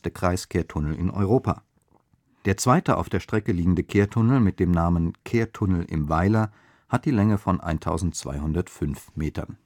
Kreiskehrtunnel in Europa. Der zweite auf der Strecke liegende Kehrtunnel mit dem Namen Kehrtunnel im Weiler hat die Länge von 1205 Metern